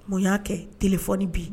Mun y'a kɛ, telefɔni bi.